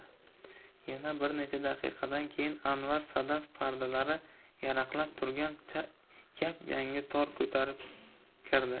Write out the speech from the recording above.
yana bir necha daqiqadan keyin anvar sadaf pardalari yaraqlab turgan yap yangi tor ko'tarib kirdi